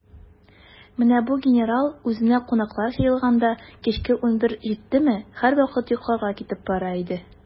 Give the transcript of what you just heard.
Менә бу генерал, үзенә кунаклар җыелганда, кичке унбер җиттеме, һәрвакыт йокларга китеп бара иде.